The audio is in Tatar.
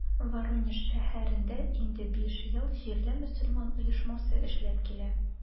Воронеж шәһәрендә инде биш ел җирле мөселман оешмасы эшләп килә.